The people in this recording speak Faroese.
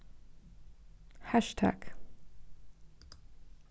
hassjtagg